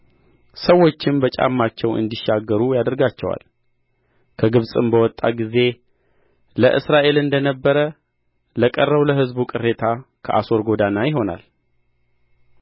ሰዎችም በጫማቸው እንዲሻገሩ ያደርጋቸዋል ከግብጽም በወጣ ጊዜ ለእስራኤል እንደ ነበረ ለቀረው ለሕዝቡ ቅሬታ ከአሦር ጐዳና ይሆናል